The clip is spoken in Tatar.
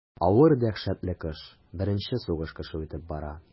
Авыр дәһшәтле кыш, беренче сугыш кышы үтеп бара.